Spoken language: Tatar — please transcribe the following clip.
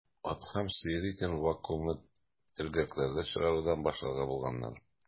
Ат һәм сыер итен вакуумлы төргәкләрдә чыгарудан башларга булганнар.